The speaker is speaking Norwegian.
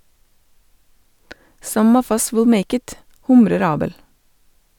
- «Some of us will make it», humrer Abel.